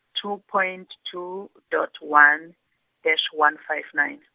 two point two, dot one, dash one five nine.